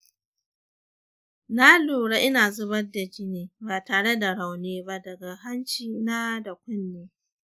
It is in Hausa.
na lura ina zubar da jini ba tare da rauni ba daga hanci na da kunne.